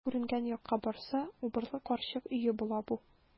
Ут күренгән якка барса, убырлы карчык өе була бу.